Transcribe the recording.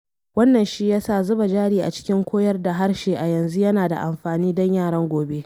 Wannan shi ya sa zuba jari a cikin koyar da harshe a yanzu yana da amfani don yaran gobe.